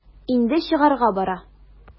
Инде чыгарга бара.